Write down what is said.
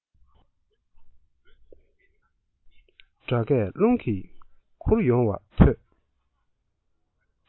སྐད སྒྲ རླུང གིས འཁུར ཡོང བ ཐོས